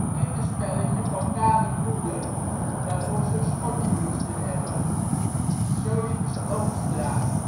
kinderspelletje van vader-moeder waarvoor ze een schortje moesten hebben, zo liepen ze over straat